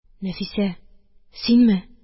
Нәфисә, синме?